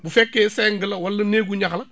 bu fekkee seng la wala néegu ñax la